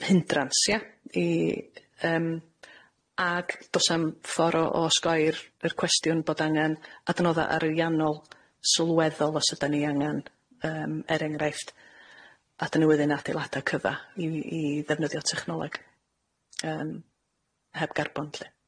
hindrans, ia? I y- yym.. Ag do's a'm ffor o o osgoi'r yr cwestiwn bod angan adnodda ariannol sylweddol os ydan ni angan yym, er enghraifft, adnewyddu'n adeilada cyfa i i ddefnyddio technoleg, yym heb garbon lly.